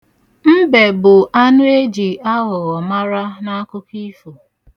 Mbe bụ anụ e ji aghụghọ mara n'akụkọ ifo